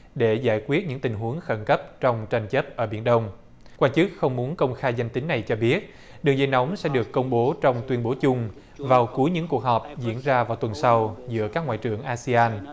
để giải quyết những tình huống khẩn cấp trong tranh chấp ở biển đông qua chứ không muốn công khai danh tính này cho biết đường dây nóng sẽ được công bố trong tuyên bố chung vào cuối những cuộc họp diễn ra vào tuần sau giữa các ngoại trưởng a si an